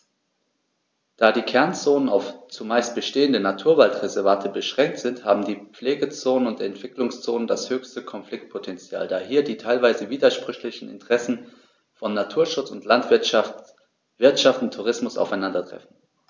Da die Kernzonen auf – zumeist bestehende – Naturwaldreservate beschränkt sind, haben die Pflegezonen und Entwicklungszonen das höchste Konfliktpotential, da hier die teilweise widersprüchlichen Interessen von Naturschutz und Landwirtschaft, Wirtschaft und Tourismus aufeinandertreffen.